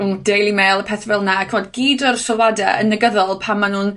rhwng Daily Mail a pethe fel 'na, ac fod gyd o'r sylwade yn negyddol pan ma nw'n